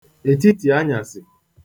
ètitiànyàsị̀